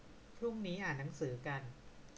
พรุ่งนี้อ่านหนังสือกัน